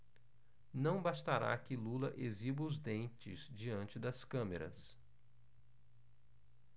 não bastará que lula exiba os dentes diante das câmeras